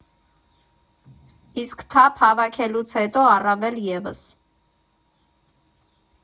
Իսկ թափ հավաքելուց հետո՝ առավել ևս։